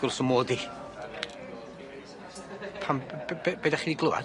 Gwrs fy mod i. Pam b- b- be- be- 'dach chi di glŵad?